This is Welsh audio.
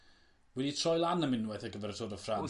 wedi troi lan am unweth ar gyfer y Tour de France.